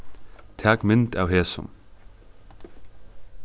tak mynd av hesum